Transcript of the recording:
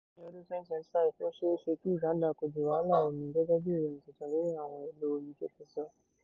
Ní ọdún 2025, ó ṣeéṣe kí Uganda kojú wàhálà omi gẹ́gẹ́ bí ìròyìn tuntun lórí àwọn èlò omi ṣe ti sọ.